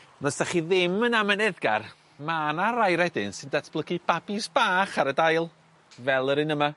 On' os 'dach chi ddim yn amyneddgar ma' 'na rai redyn sy'n datblygu babis bach ar y dail fel yr un yma